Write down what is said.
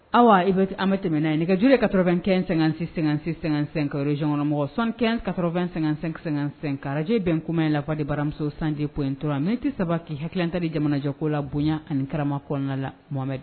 Ayiwa an tɛmɛnɛna yen nɛgɛjo de kasɔrɔkɛ---sɛ jankɔnmɔgɔ san ka2---karaje bɛn kuma in lafa de baramuso sanjip intɔ m tɛ saba k hakɛl tali jamanajɛ ko la bonya anikarama kɔ la mad